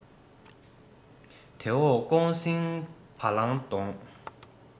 དེ འོག ཀོང སྲིང བ ལང དོང